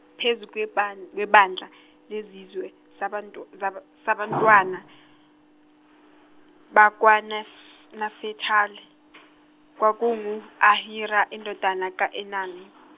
phezu kweban- kwebandla lesizwe sabantw- saba- sabantwana bakwaNafetali kwakungu Ahira indodana ka Enani.